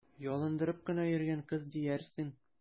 Ялындырып кына йөргән кыз диярсең!